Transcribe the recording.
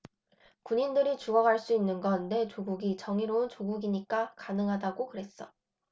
군인들이 죽어갈 수 있는 건 내 조국이 정의로운 조국이니까 가능하다고 그랬어